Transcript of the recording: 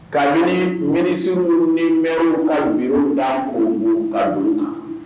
Kabini ministre ni maire ka bureau da kɔnkɔn na ka don olu kan